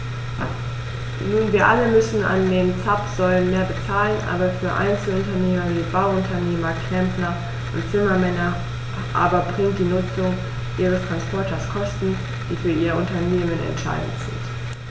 Nun wir alle müssen an den Zapfsäulen mehr bezahlen, aber für Einzelunternehmer wie Bauunternehmer, Klempner und Zimmermänner aber birgt die Nutzung ihres Transporters Kosten, die für ihr Unternehmen entscheidend sind.